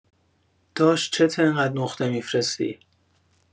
داش چته اینقد نقطه می‌فرستی؟